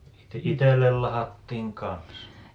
sitten itselle lahdattiin kanssa